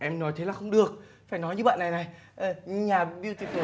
em nói thế là không được phải nói như bạn này này ơ nhà biu ti phù